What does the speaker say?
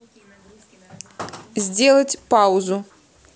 сделать паузу